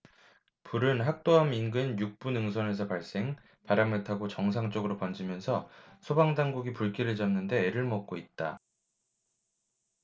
불은 학도암 인근 육 부 능선에서 발생 바람을 타고 정상 쪽으로 번지면서 소방당국이 불길을 잡는 데 애를 먹고 있다